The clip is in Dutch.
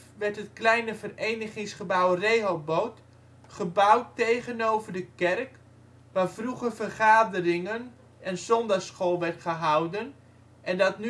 kleine verenigingsgebouw ' Rehoboth ' gebouwd tegenover de kerk, waar vroeger vergaderingen en zondagsschool werd gehouden en dat